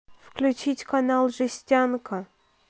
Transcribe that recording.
включить канал жестянка